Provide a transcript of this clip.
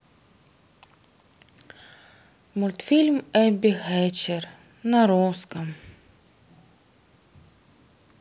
мультфильм эбби хэтчер на русском